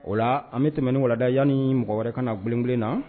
O la, an bɛ tɛmɛn ni walanda ye yannni mɔgɔ wɛrɛ ka na gulen gulen naa